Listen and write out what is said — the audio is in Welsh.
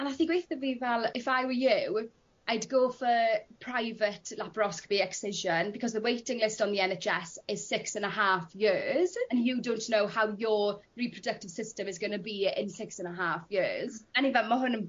a nath 'i gweitho fi fel if I were you I'd go fer private laparoscopy excision because the waiting list on the En Haitch Ess is six an' a half years an' you don't know how you'r reproductive system is gonna be in six an' a half years A o'n i fel ma' hwn yn